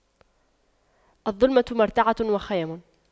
الظلم مرتعه وخيم